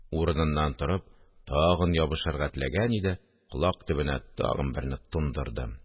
Урыныннан торып, тагын ябышырга теләгән иде, колак төбенә тагын берне тондырдым